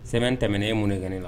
Sɛ tɛmɛnen e mun ye kɛ la